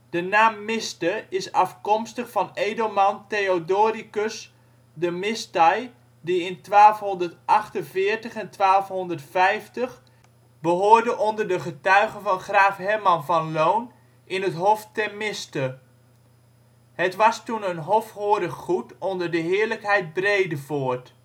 De naam Miste is afkomstig van edelman Theodoricus de Misthae die in 1248 en 1250 die behoorde onder de getuigen van graaf Herman van Lohn in het Hof ter Miste. Het was toen een hofhorig goed onder de heerlijkheid Bredevoort